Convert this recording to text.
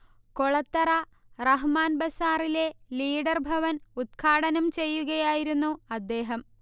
കൊളത്തറ റഹ്‌മാൻ ബസാറിലെ ലീഡർ ഭവൻ ഉദ്ഘാടനം ചെയ്യുകയായിരുന്നു അദ്ദേഹം